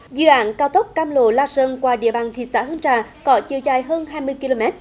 dự án cao tốc cam lộ la sơn qua địa bàn thị xã hương trà có chiều dài hơn hai mươi ki lô mét